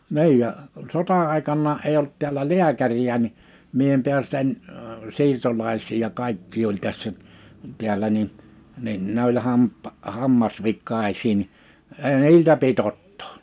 niin ja sota-aikanakaan ei ollut täällä lääkäriä niin minä en päässyt en siirtolaisia ja kaikkia oli tässä täällä niin niin ne oli - hammasvikaisia niin ei niiltä pidä ottaa